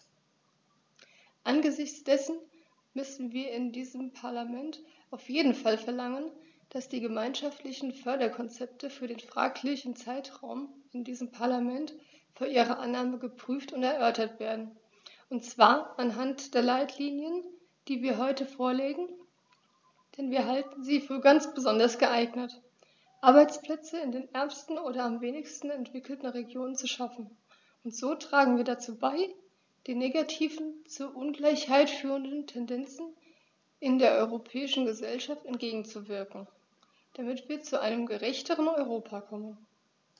Angesichts dessen müssen wir in diesem Parlament auf jeden Fall verlangen, dass die gemeinschaftlichen Förderkonzepte für den fraglichen Zeitraum in diesem Parlament vor ihrer Annahme geprüft und erörtert werden, und zwar anhand der Leitlinien, die wir heute vorlegen, denn wir halten sie für ganz besonders geeignet, Arbeitsplätze in den ärmsten oder am wenigsten entwickelten Regionen zu schaffen, und so tragen wir dazu bei, den negativen, zur Ungleichheit führenden Tendenzen in der europäischen Gesellschaft entgegenzuwirken, damit wir zu einem gerechteren Europa kommen.